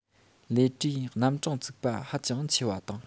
ལས གྲྭའི རྣམ གྲངས བཙུགས པ ཧ ཅང ཆེ བ དང